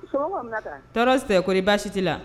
Tɔɔrɔ tɛ kɔri baasi siti la